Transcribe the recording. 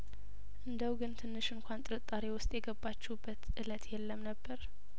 እንደው ግን ትንሽ እንኳን ጥርጣሬ ውስጥ የገባችሁበት እለት የለም ነበር